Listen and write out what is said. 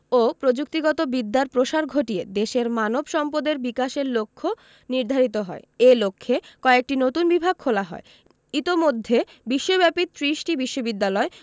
ও প্রযুক্তিগত বিদ্যার প্রসার ঘটিয়ে দেশের মানব সম্পদের বিকাশের লক্ষ্য নির্ধারিত হয় এ লক্ষ্যে কয়েকটি নতুন বিভাগ খোলা হয় ইতোমধ্যে বিশ্বব্যাপী ত্রিশটি বিশ্ববিদ্যালয়